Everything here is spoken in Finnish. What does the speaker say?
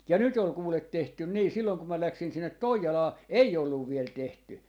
ja nyt oli kuule tehty niin silloin kun minä lähdin sinne Toijalaan ei ollut vielä tehty